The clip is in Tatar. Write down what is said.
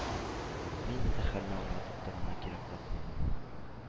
Мин инде хәлне аңлатып торуны кирәк тапмадым.